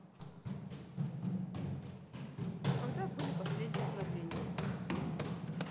когда были последние обновления